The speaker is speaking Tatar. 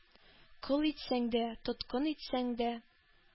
Кол итсәң дә, тоткын итсәң дә,